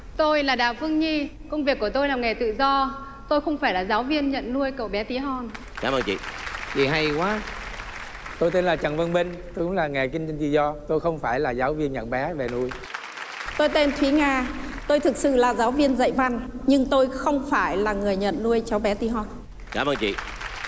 tôi là đào phương nhi công việc của tôi làm nghề tự do tôi không phải là giáo viên nhận nuôi cậu bé tí hon cám ơn chị vì hay quá tôi tên là trần văn minh đúng là nghề kinh doanh tự do tôi không phải là giáo viên nhận bé về nuôi tôi tên thúy nga tôi thực sự là giáo viên dạy văn nhưng tôi không phải là người nhận nuôi cháu bé tí hon cám ơn chị